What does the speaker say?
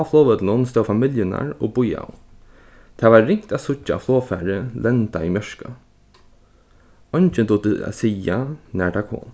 á flogvøllinum stóðu familjurnar og bíðaðu tað var ringt at síggja flogfarið lenda í mjørka eingin dugdi at siga nær tað kom